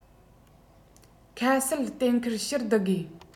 ཁ གསལ གཏན འཁེལ ཕྱིར བསྡུ དགོས